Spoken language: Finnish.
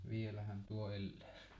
vielähän tuo elää